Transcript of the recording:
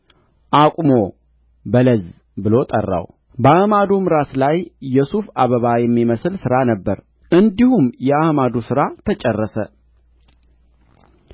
አቁሞ በለዝ ብሎ ጠራው በአዕማዱም ራስ ላይ የሱፍ አበባ የሚመስል ሥራ ነበረ እንዲሁም የአዕማዱ ሥራ ተጨረሰ